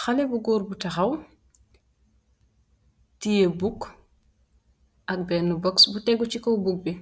Xalèh bu gór bu taxaw teyeh buk ak benna box bu tégu ci kaw buk bi.